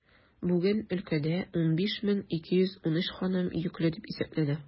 Бүген өлкәдә 15213 ханым йөкле дип исәпләнә.